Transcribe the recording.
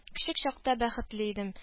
Көчек чакта бәхетле идем